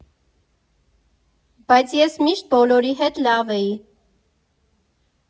Բայց ես միշտ բոլորի հետ լավ էի։